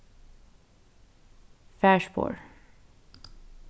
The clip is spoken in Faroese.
farspor